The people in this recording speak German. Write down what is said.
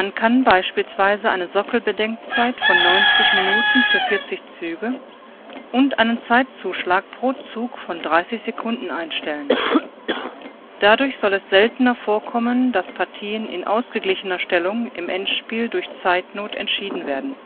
kann beispielsweise eine Sockelbedenkzeit von 90 Minuten für 40 Züge und einen Zeitzuschlag pro Zug von 30 Sekunden einstellen. Dadurch soll es seltener vorkommen, dass Partien in ausgeglichener Stellung im Endspiel durch Zeitnot entschieden werden